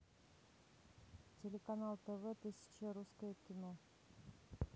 телеканал тв тысяча русское кино